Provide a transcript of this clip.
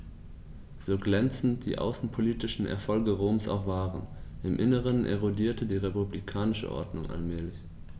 So glänzend die außenpolitischen Erfolge Roms auch waren: Im Inneren erodierte die republikanische Ordnung allmählich.